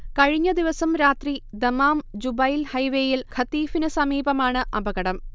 കഴിഞ്ഞദിവസം രാത്രി ദമാംജുബൈൽ ഹൈവേയിൽ ഖതീഫിന് സമീപമാണ് അപകടം